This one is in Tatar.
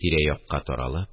Тирә-якка таралып,